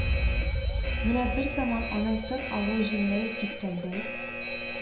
Менә берзаман аның тын алуы җиңеләеп киткәндәй